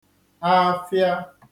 afịa